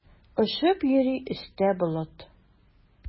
Очып йөри өстә болыт.